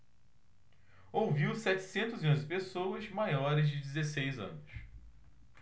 ouviu setecentos e onze pessoas maiores de dezesseis anos